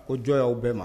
Ko jɔn y' bɛɛ ma